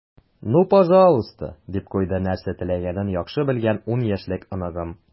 "ну пожалуйста," - дип куйды нәрсә теләгәнен яхшы белгән ун яшьлек оныгым.